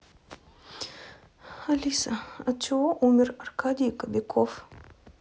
алиса от чего умер аркадий кобяков